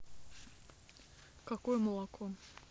какое молоко